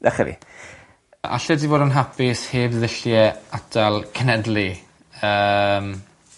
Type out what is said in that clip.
nachydi. Allet ti fod yn hapus heb ddullie atal cenedlu? Yym.